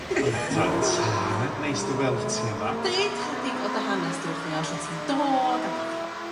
Yndan tad, neis dy weld ti yma. Deud chydig o dy hanes ti wrthyn ni o lle ti'n dod popeth fela.